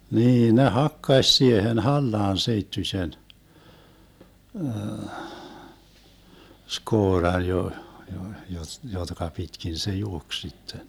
niin ne hakkasi siihen hallaan seittyisen skooran --- jotka pitkin se juoksi sitten